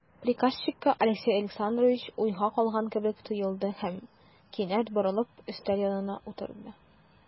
Приказчикка Алексей Александрович уйга калган кебек тоелды һәм, кинәт борылып, өстәл янына утырды.